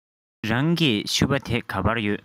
རང གི ཕྱུ པ དེ ག པར ཡོད